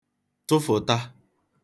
tụfụ̀ta